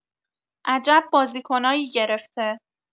عجب بازیکنایی گرفته